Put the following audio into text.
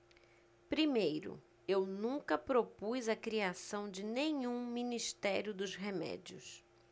primeiro eu nunca propus a criação de nenhum ministério dos remédios